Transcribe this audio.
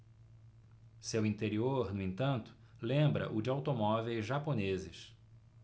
seu interior no entanto lembra o de automóveis japoneses